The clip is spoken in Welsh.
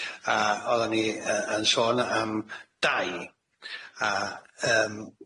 a oddan ni yy yn sôn am dai, a yym